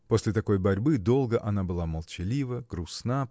После такой борьбы долго она была молчалива грустна